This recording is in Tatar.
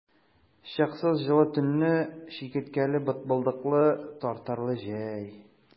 Чыксыз җылы төнле, чикерткәле, бытбылдыклы, тартарлы җәй!